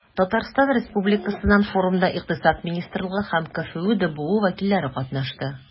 Татарстан Республикасыннан форумда Икътисад министрлыгы һәм КФҮ ДБУ вәкилләре катнашты.